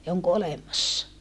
ja onko olemassa